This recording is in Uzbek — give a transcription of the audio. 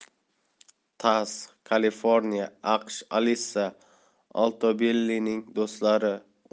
tass kaliforniya aqshalissa altobellining do'stlari